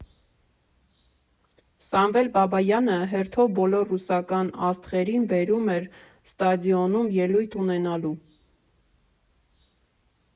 Սամվել Բաբայանը հերթով բոլոր ռուսական աստղերին բերում էր ստադիոնում ելույթ ունենալու։